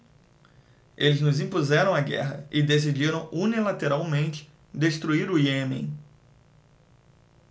eles nos impuseram a guerra e decidiram unilateralmente destruir o iêmen